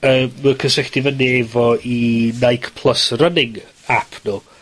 yy, ma' cysylltu fyny efo i Nike Plus Running App nw.